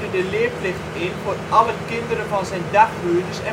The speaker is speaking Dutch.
de leerplicht in voor alle kinderen van zijn daghuurders